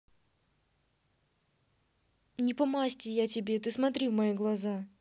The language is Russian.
не по масти я тебе ты смотри в мои глаза